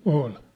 oli